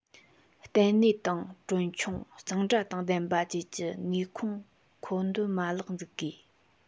བརྟན གནས དང གྲོན ཆུང གཙང སྦྲ དང ལྡན པ བཅས ཀྱི ནུས ཁུངས མཁོ སྤྲོད མ ལག འཛུགས དགོས